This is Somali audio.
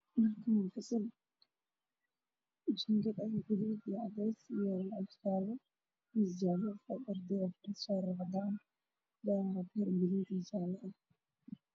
Waa school waxaa jooga niman wataan shaatiyo caddaan